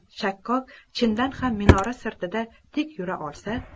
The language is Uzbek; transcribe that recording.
shakkok chindan ham minora sirtida tik yura olsa